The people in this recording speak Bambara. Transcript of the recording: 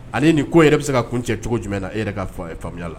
Hali nin ko yɛrɛ bɛ se ka kun cɛ cogo jumɛn na e yɛrɛ ka fa faamuya la.